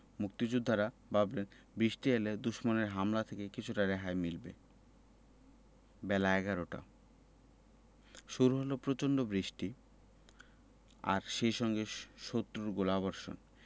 মুক্তিযোদ্ধারা ভাবলেন বৃষ্টি এলে দুশমনের হামলা থেকে কিছুটা রেহাই মিলবে বেলা এগারোটা শুরু হলো প্রচণ্ড বৃষ্টি আর সেই সঙ্গে শত্রুর গোলাবর্ষণ